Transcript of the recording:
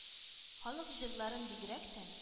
Халык ырларын, бигрәк тә